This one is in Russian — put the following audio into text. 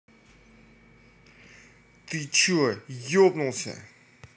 ты че ебнулся